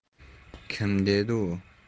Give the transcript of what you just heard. kim dedi u